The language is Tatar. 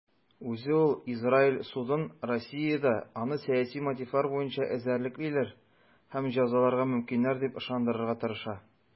Үзе ул Израиль судын Россиядә аны сәяси мотивлар буенча эзәрлеклиләр һәм җәзаларга мөмкиннәр дип ышандырырга тырыша.